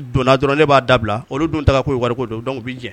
Donna dɔrɔn ne b'a da bila olu dun taga kun ye wari ko de ye donc ne bɛ jɛn.